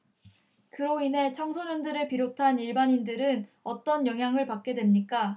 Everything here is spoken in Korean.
그로 인해 청소년들을 비롯한 일반인들은 어떤 영향을 받게 됩니까